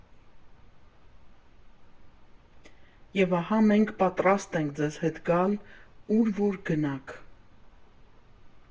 Եվ ահա մենք պատրաստենք ձեզ հետ գալ ուր, որ գնաք։